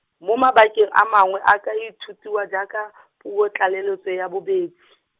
mo mabakeng a mangwe e ka ithutiwa jaaka , puo tlaleletso ya bobedi.